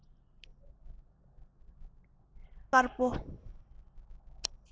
སྤྲིན པ དཀར པོ